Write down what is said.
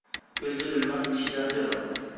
o'zi bilmas kishidan so'ramas